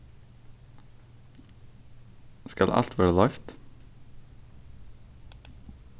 skal alt verða loyvt